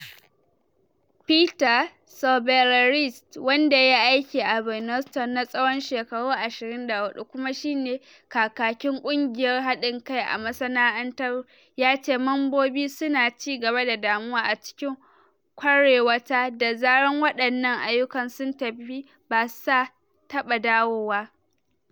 Peter Tsouvallaris, wanda yayi aiki a Burnaston na tsawon shekaru 24 kuma shi ne kakakin kungiyar hadin kai a masana’antar, yace mambobin su na ci gaba da damuwa: “A cikin kwarewata da zaran wadannan ayyukan sun tafi ba sa taba dawowa.